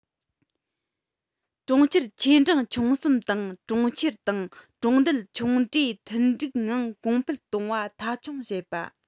གྲོང ཁྱེར ཆེ འབྲིང ཆུང གསུམ དང གྲོང ཁྱེར དང གྲོང རྡལ ཆུང གྲས མཐུན འགྲིག ངང གོང སྤེལ གཏོང བ མཐའ འཁྱོངས བྱེད པ